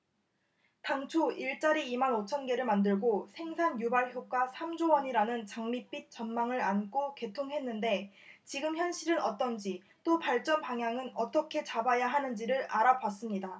당초 일자리 이 만 오 천 개를 만들고 생산 유발효과 삼 조 원이라는 장밋빛 전망을 안고 개통했는데 지금 현실은 어떤지 또 발전 방향은 어떻게 잡아야 하는지를 알아봤습니다